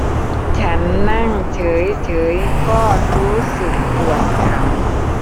ฉันนั่งเฉยเฉยก็รู้สึกปวดเข่า